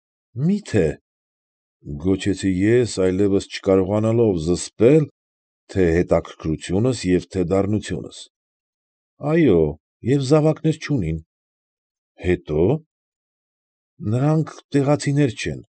Մի՞թե, ֊ գոչեցի ես, այլևս չկարողանալով զսպել թե՛ հետաքրքրությունս և թե՛ դառնությունս։ ֊ Այո, և զավակներ չունեն։ ֊ Հետո՞։ ֊ Նրանք տեղացիներ չեն։